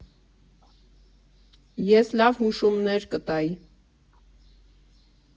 Ես լավ հուշումներ կտայի։